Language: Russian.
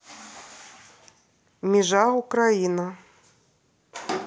межа украина